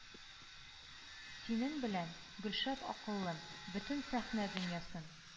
Синең белән, Гөлшат акыллым, бөтен сәхнә дөньясын